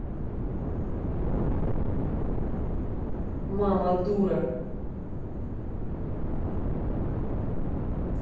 мама дура